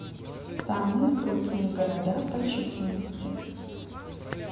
самые крупные города по численности